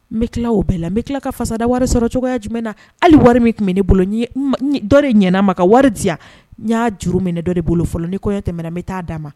N be tila o bɛɛ la n be tila ka fasada wari sɔrɔ cogoya jumɛn na hali wari min tun bɛ ne bolo ɲe ma ɲe dɔ de ɲɛna ma ka wari diyan n y'a juru minɛ dɔ de bolo fɔlɔ ni kɔɲɔ tɛmɛna n bɛ taa a d'a ma